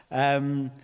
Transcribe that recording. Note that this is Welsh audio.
Yym...